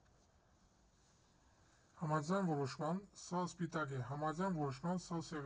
Համաձայն որոշման սա սպիտակ է, համաձայն որոշման սա սև է։